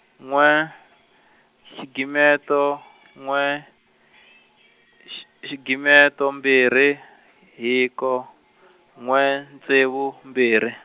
n'we , xigimeto , n'we, xi xigimeto mbirhi, hiko, n'we, ntsevu, mbirhi.